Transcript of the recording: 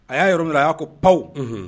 A y'a yɔrɔ min na a y'a ko panwu